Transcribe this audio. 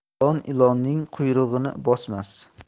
ilon ilonning quyrug'ini bosmas